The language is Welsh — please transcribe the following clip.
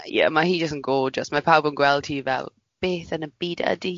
Ma' ie ma' hi jyst yn gorgeous. Mae pawb yn gweld hi fel, beth yn y byd ydy hi?